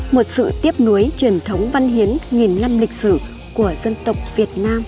một sự tiếp nối văn hiến nghìn năm lịch sử của dân tộc việt nam